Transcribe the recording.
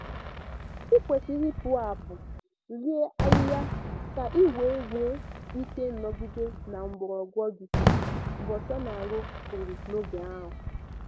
"""Ị kwesịrị ịpụ apụ rie ahịhịa ka i wee nwee ike ịnọgide na mgbọrọgwụ gị," Bolsonaro kwuru n'oge ahụ.